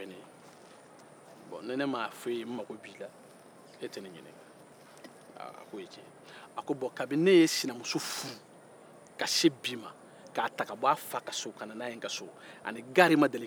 bɔn ni ne ma f'i ye n mako b'i la e tɛ ne ɲinin aaa a ko e ye tiɲɛn ye a ko bɔn kabini ne ye sinamuso furu ka se bi ma k'a ta ka bɔ a fa ka so ka nana ye n ka so ani gari ma deli ka da ne kɛrɛfɛ